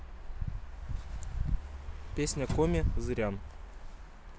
песни коми зырян